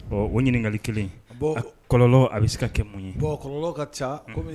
Ɔɔ o ɲininkakali kelen in bɔ kɔlɔn a bɛ se ka kɛ mun ye?. Bɔn kɔlɔlɔ ka ca Unhun ko m